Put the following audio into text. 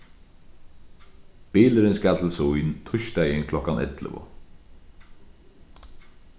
bilurin skal til sýn týsdagin klokkan ellivu